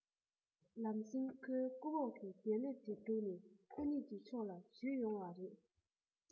ལམ སེང ཁོའི རྐུབ འོག གི གདན ལྷེབ དེ སྒྲུག ནས ཁོ གཉིས ཕྱོགས ལ ཞུས ཡོང བ རེད